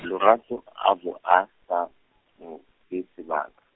Lorato, a bo, a, sa, mo, fe, sebaka.